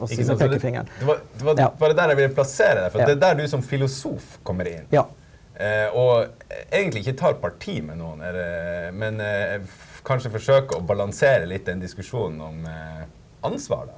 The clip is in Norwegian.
det var det var det der jeg ville plassere deg for det er der du som filosof kommer inn å egentlig ikke tar parti med noen heller men kanskje forsøker å balansere litt den diskusjonen om ansvaret da.